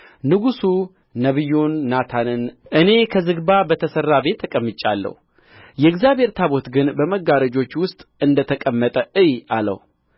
ንጉሡ ነቢዩን ናታንን እኔ ከዝግባ በተሠራ ቤት ተቀምጬአለሁ የእግዚአብሔር ታቦት ግን በመጋረጆች ውስጥ እንደ ተቀመጠ እይ አለው